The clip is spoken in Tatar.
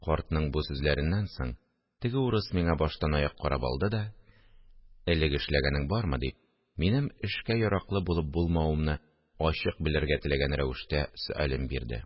Картның бу сүзләреннән соң теге урыс миңа баштанаяк карап алды да: – Элек эшләгәнең бармы? – дип, минем эшкә яраклы булып-булмавымны ачык белергә теләгән рәвештә сөален бирде